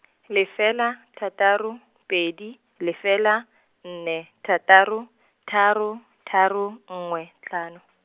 lefela, thataro, pedi, lefela, nne, thataro, tharo, tharo, nngwe, tlhano .